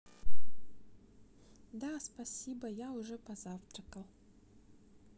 да спасибо я уже позавтракал